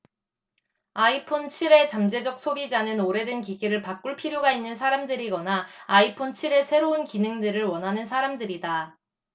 아이폰 칠 의 잠재적 소비자는 오래된 기기를 바꿀 필요가 있는 사람들이거나 아이폰 칠 의 새로운 기능들을 원하는 사람들이다